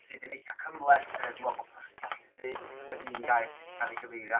sydd yn eitha' cymhleth? Dwi me'l bo' prosesu yn un gair sydd i cael ei gyfeirio